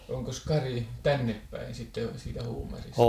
onkos Kari tännepäin sitten siitä Huumarista